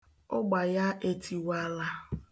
Ụgba ya etiwaala.